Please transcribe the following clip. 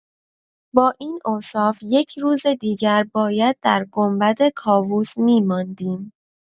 با این اوصاف یک روز دیگر باید در گنبدکاووس می‌ماندیم.